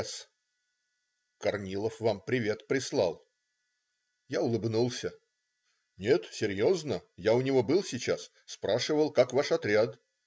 С. "Корнилов вам привет прислал". Я улыбнулся. "Нет, серьезно. Я у него был сейчас. Спрашивал: как ваш отряд?